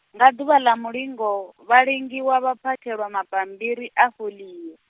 nga ḓuvha ḽa mulingo, vhalingiwa vha phakhelwa mabambiri a foḽio.